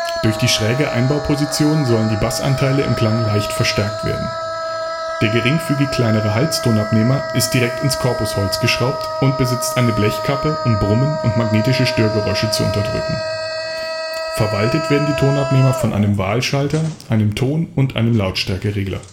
Durch die schräge Einbauposition sollen die Bass-Anteile im Klang leicht verstärkt werden. Der geringfügig kleinere Halstonabnehmer ist direkt ins Korpusholz geschraubt und besitzt eine Blechkappe, um Brummen und magnetische Störgeräusche zu unterdrücken. Verwaltet werden die Tonabnehmer von einem Wahlschalter, einem Ton - und einem Lautstärkeregler